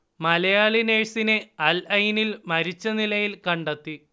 മലയാളി നഴ്സിനെ അൽഐനിൽ മരിച്ച നിലയിൽ കണ്ടെത്തി